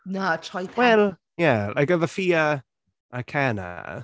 Na, troi pen... . Wel, ie like efo Afia a Ikenna...